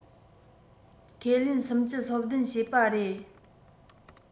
ཁས ལེན སུམ བཅུ སོ བདུན བྱས པ རེད